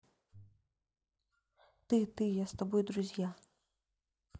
ты ты я с тобой друзья